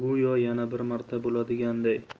yana bir marta bo'ladiganday